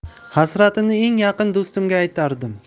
hasratimni eng yaqin do'stimga aytardim